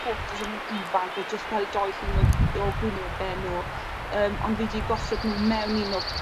ffotos o nw'n ifanc odd jyst fel dou llun o g- o gwynebe nw. Yym ond fi 'di gosod nw mewn un o